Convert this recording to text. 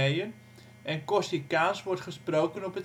en Corsicaans wordt gesproken op